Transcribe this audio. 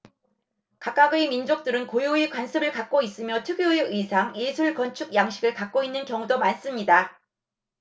각각의 민족들은 고유의 관습을 갖고 있으며 특유의 의상 예술 건축 양식을 갖고 있는 경우도 많습니다